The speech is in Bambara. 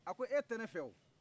a ko e tɛ ne fɛ wo